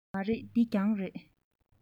མ རེད འདི གྱང རེད